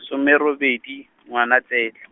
some robedi, Ngwanatse- .